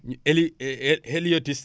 héli héliotis